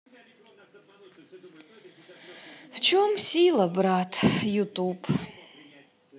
в чем сила брат ютуб